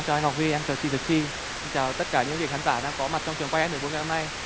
chào anh ngọc huy em chào chị diệp chi xin chào tất cả những vị khán giả đang có mặt trong trường quay ét mười bốn ngày hôm nay